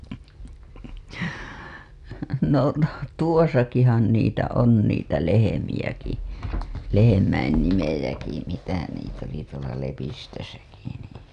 no tuossakinhan niitä on niitä lehmiäkin lehmien nimiäkin mitä niitä oli tuolla Lepistössäkin niin